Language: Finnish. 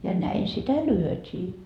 ja näin sitä lyötiin